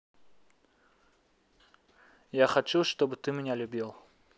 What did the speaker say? я хочу чтобы ты меня любил